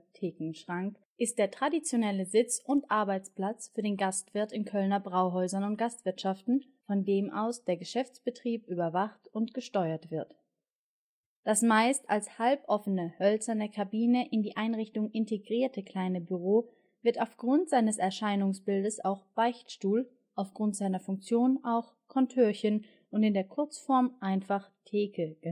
Thekenschrank “) ist der traditionelle Sitz - und Arbeitsplatz für den Gastwirt in Kölner Brauhäusern und Gastwirtschaften, von dem aus der Geschäftsbetrieb überwacht und gesteuert wird. Das meist als halboffene hölzerne Kabine in die Einrichtung integrierte kleine Büro wird aufgrund seines Erscheinungsbildes auch Beichtstuhl, aufgrund seiner Funktion auch Kontörchen und in der Kurzform einfach Theke genannt